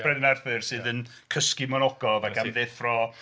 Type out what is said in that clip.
Brenin Arthur sydd yn cysgu mewn ogof ac am ddeffro.